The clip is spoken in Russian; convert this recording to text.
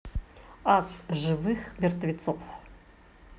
ад живых мертвецов